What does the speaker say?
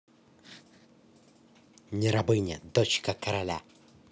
нерабыня дочка короля